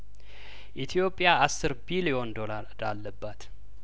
ኢትዮጵያ አስር ቢሊዮን ዶላር እዳ አለባት